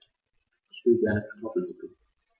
Ich will gerne Kartoffelsuppe.